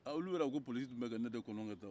olu yɛrɛ ko polisiw tun bɛka ne de kɔnɔ ka taa